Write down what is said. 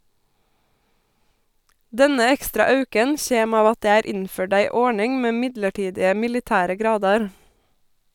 Denne ekstra auken kjem av at det er innførd ei ordning med midlertidige militære gradar.